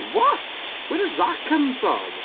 What?! Where does that come from?